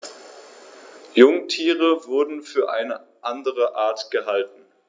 Jungtiere wurden für eine andere Art gehalten.